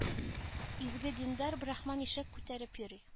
Изге диндар брахман ишәк күтәреп йөри